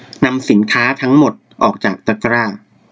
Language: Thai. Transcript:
นำสินค้าทั้งหมดออกจากตะกร้า